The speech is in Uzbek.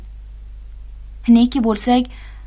neki bo'lsak